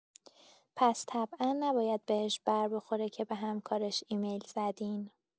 پس طبعا نباید بهش بربخوره که به همکارش ایمیل زدین!